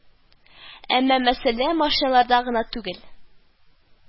Әмма мәсьәлә машиналарда гына түгел